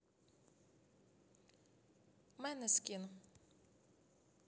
måneskin